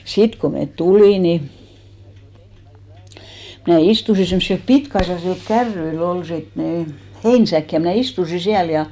sitten kun me tulimme niin minä istuin semmoisilla pitkäaisaisilla kärryillä oli sitten niin heinäsäkki ja minä istuin siellä ja